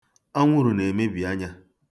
Anwụrụ na-emebi anya.